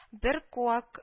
Бер куак